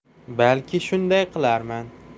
balki shunday qilarman